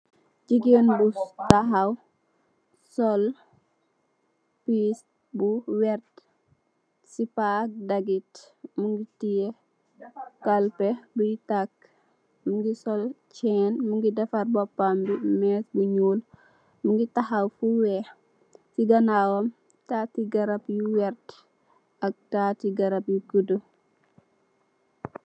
Jegain bu tahaw sol pess bu verte sipa ak dagete muge teyeh kalpeh buye takeh muge sol chin muge defarr bopambe mess bu nuul muge taxaw fu weex se ganawam tate garab yu verte ak tate garab yu goudu.